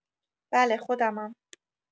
بله، خودمم.